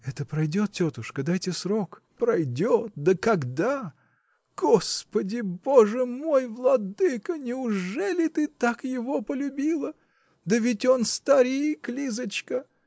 -- Это пройдет, тетушка; дайте срок. -- Пройдет, да когда? Господи боже мой, владыко! неужели ты так его полюбила? да ведь он старик, Лизочка.